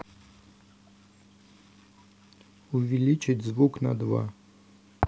увеличить звук на два